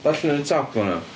Darllen yr un top fan'na.